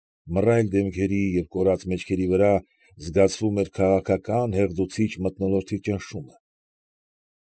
Մռայլ դեմքերի և կորացած մեջքերի վրա զգացվում էր քաղաքական հեղձուցիչ մթնոլորտի ճնշումը։